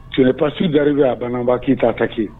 Tile pasi da a banaba k'iyita ta kɛ